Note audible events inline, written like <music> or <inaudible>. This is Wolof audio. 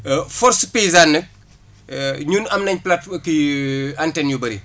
<hesitation> force paysane nag <hesitation> ñu am nañ plate kii <hesitation> antenne yu bëri